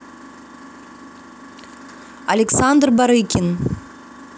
александр барыкин